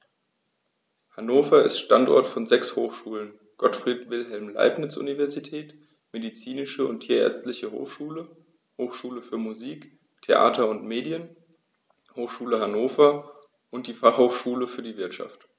Hannover ist Standort von sechs Hochschulen: Gottfried Wilhelm Leibniz Universität, Medizinische und Tierärztliche Hochschule, Hochschule für Musik, Theater und Medien, Hochschule Hannover und die Fachhochschule für die Wirtschaft.